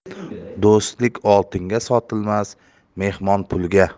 do'stlik oltinga sotilmas mehmon pulga